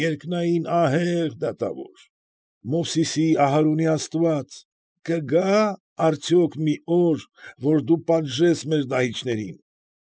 Երկնային ահե՜ղ դատավոր, Մովսեսի, Ահարոնի աստված, կգա՞, արդյոք, մի օր, որ դու պատժես մեր դահիճներին։